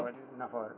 ko waaɗi nafoore